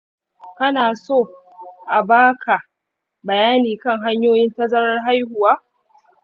kana so a ba ka bayani kan hanyoyin tazarar haihuwa?